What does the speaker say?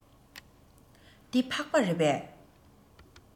འདི ཕག པ རེད པས